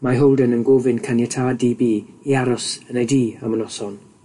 Mae Holden yn gofyn caniatâd Di Bi i aros yn ei dŷ am y noson.